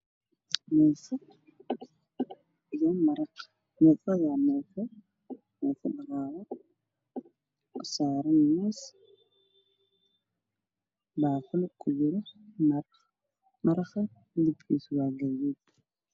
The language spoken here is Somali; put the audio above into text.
Muufo iyo maraq. Muufadu waa muufo baraawe waxaa saaran moos iyo baaquli kujiro maraq gaduudan.